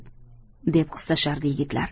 deb qistashardi yigitlar